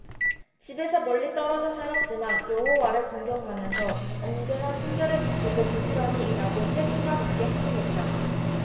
집에서 멀리 떨어져 살았지만 여호와를 공경하면서 언제나 순결을 지키고 부지런히 일하고 책임감 있게 행동했다